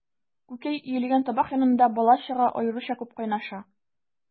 Күкәй өелгән табак янында бала-чага аеруча күп кайнаша.